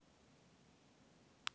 сири включи новую